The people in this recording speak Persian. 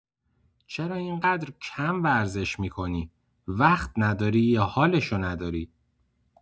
چرا اینقدر کم ورزش می‌کنی، وقت نداری یا حالشو نداری؟